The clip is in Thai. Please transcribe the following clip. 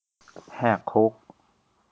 แหกคุก